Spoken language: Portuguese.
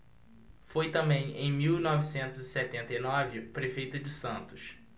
foi também em mil novecentos e setenta e nove prefeito de santos